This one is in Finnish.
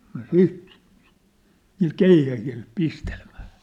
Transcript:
no sitten niillä keihäillä pistelemään